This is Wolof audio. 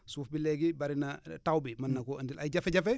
suuf bi léegi bëri na taw bi mën na koo indil ay jafe-jafe